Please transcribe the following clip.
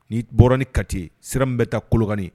Ni bɔrai ka ten sira min bɛ taa kolokani